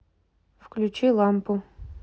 включи лампу